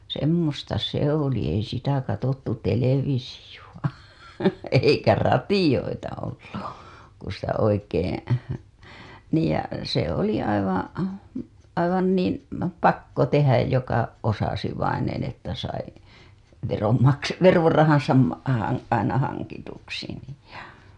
semmoista se oli ei sitä katsottu televisiota eikä radioita ollut kun sitä oikein niin ja se oli aivan aivan niin pakko tehdä joka osasi vainen että sai veron - verorahansa -- aina hankituksi niin ja